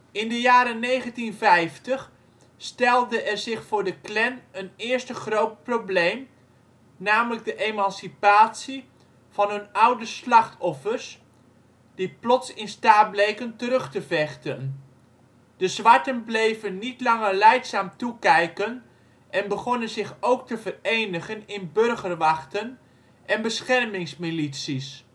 In de jaren 1950 stelde er zich voor de Klan een eerste groot probleem, namelijk de emancipatie van hun oude slachtoffers, die plots in staat bleken terug te vechten. De zwarten bleven niet langer lijdzaam toekijken en begonnen zich ook te verenigen in burgerwachten en beschermingsmilities